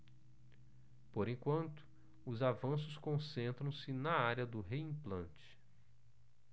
por enquanto os avanços concentram-se na área do reimplante